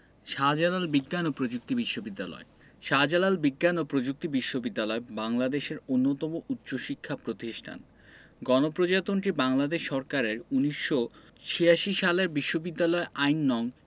শাহ্জালাল বিজ্ঞান ও প্রযুক্তি বিশ্ববিদ্যালয় শাহ্জালাল বিজ্ঞান ও প্রযুক্তি বিশ্ববিদ্যালয় বাংলাদেশের অন্যতম উচ্চশিক্ষা প্রতিষ্ঠান গণপ্রজাতন্ত্রী বাংলাদেশ সরকারের ১৯৮৬ সালের বিশ্ববিদ্যালয় আইন নং